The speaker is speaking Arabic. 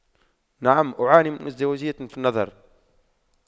نعم أعاني من ازدواجية في النظر